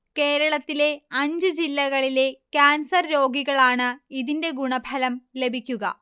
കേരളത്തിലെ അഞ്ച് ജില്ലകളിലെ കാൻസർ രോഗികളാണ് ഇതിന്റെ ഗുണഫലം ലഭിക്കുക